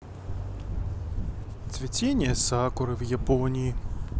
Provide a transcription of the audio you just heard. цветение сакуры в японии